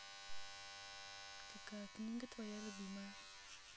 какая книга твоя любимая